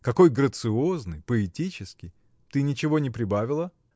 — Какой грациозный, поэтический! Ты ничего не прибавила?